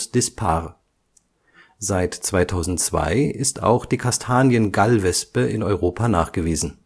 dispar. Seit 2002 ist auch die Kastaniengallwespe in Europa nachgewiesen